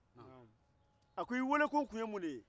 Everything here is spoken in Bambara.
a ko i weelekun tun ye mun de ye